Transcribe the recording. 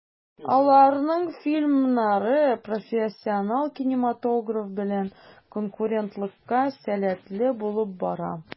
Аларның фильмнары профессиональ кинематограф белән конкурентлыкка сәләтле булып бара.